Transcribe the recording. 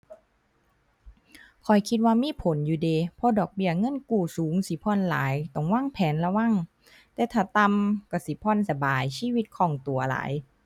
ข้อยคิดว่ามีผลอยู่เดะ เพราะดอกเบี้ยเงินกู้สูงสิผ่อนหลาย ต้องวางแผนระวัง แต่ถ้าต่ำก็สิผ่อนสบาย ชีวิตคล่องตัวหลาย